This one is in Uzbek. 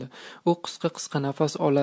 u qisqa qisqa nafas olar